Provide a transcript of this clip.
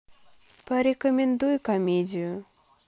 порекомендуй комедию